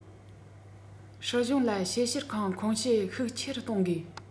སྲིད གཞུང ལ དཔྱད བཤེར ཁང ཁུངས བྱེད ཤུགས ཆེ རུ གཏོང དགོས